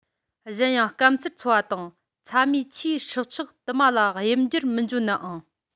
གཞན ཡང སྐམ སར འཚོ བ དང ཚྭ མེད ཆུའི སྲོག ཆགས དུ མ ལ དབྱིབས འགྱུར མི འབྱུང ནའང